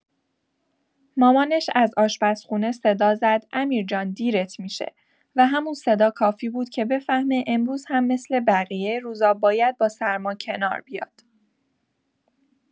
مامانش از آشپزخونه صدا زد «امیر جان دیرت می‌شه»، و همون صدا کافی بود که بفهمه امروز هم مثل بقیه روزا باید با سرما کنار بیاد.